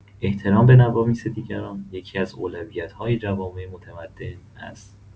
احترام به نوامیس دیگران یکی‌از اولویت‌های جوامع متمدن است.